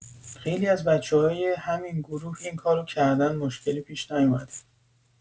خیلی از بچه‌های همین گروه اینکار رو کردن مشکلی پیش نیومده